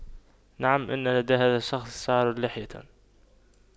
نعم ان لدى هذا الشخص شعر لحية